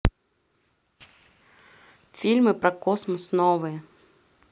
фильмы про космос новые